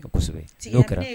Sɛbɛ yo kɛra